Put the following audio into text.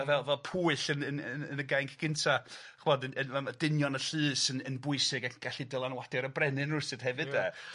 A ma' fel fel Pwyll yn yn yn yn y gainc cynta chi'mod yn yn fel ma' dynion y llys yn yn bwysig ac yn gallu dylanwadu ar y brenin rywsut hefyd de.